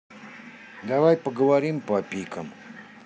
давай поговорим по пикам